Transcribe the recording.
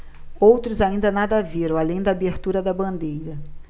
outros ainda nada viram além da abertura da bandeira